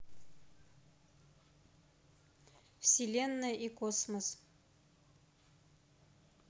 вселенная и космос